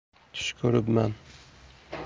tush ko'ribman